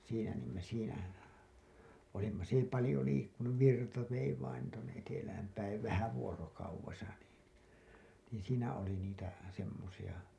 siinä niin me siinä olimme se ei paljon liikkunut virta vei vain tuonne etelään päin vähän vuorokaudessa niin niin siinä oli niitä semmoisia